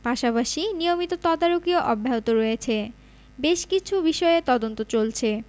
পাশাপাশি নিয়মিত তদারকিও অব্যাহত রয়েছে বেশ কিছু বিষয়ে তদন্ত চলছে